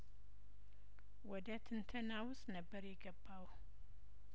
ወደ ትንተና ውስጥ ነበር የገባው